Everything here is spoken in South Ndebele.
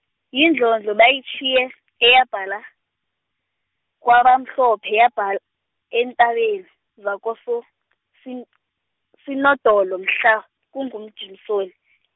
yindlondlo bayitjhiye eyabhala, kwabamhlophe yabhal-, eentabeni zakoSo- -Sin- Sinodolo mhla, kunguJimsoni.